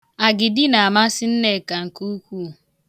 Agidi na-amasị Nneka nke ukwuu.